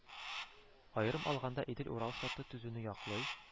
Аерым алганда идел-урал штаты төзүне яклый